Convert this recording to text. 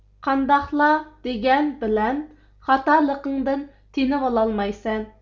قانداقلا دېگەنبىلەن خاتالىقىڭدىن تېنىۋالالمايسەن